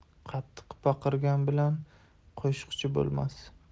qattiq baqirgan bilan qo'shiqchi bo'lmas